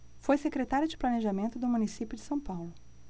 foi secretário de planejamento do município de são paulo